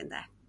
ynde?